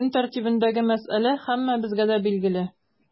Көн тәртибендәге мәсьәлә һәммәбезгә дә билгеле.